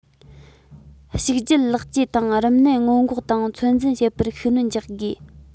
ཕྱུགས རྒྱུད ལེགས བཅོས དང རིམས ནད སྔོན འགོག དང ཚོད འཛིན བྱེད པར ཤུགས སྣོན རྒྱག དགོས